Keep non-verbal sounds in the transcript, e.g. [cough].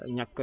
[hesitation]